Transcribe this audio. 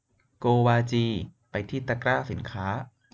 โกวาจีไปที่ตะกร้าสินค้า